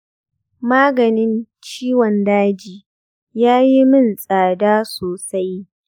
maganin ciwon daji ya yi min tsada sosai.